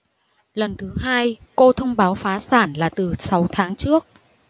lần thứ hai cô thông báo phá sản là từ sáu tháng trước